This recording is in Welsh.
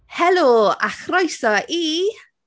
Helo, a chroeso i...